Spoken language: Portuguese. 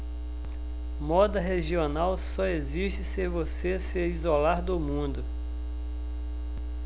moda regional só existe se você se isolar do mundo